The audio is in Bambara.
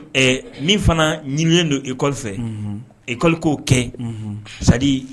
Ɛɛ min fanaa ɲinilen do école fɛ unhun école k'o kɛ unhun c'est à dire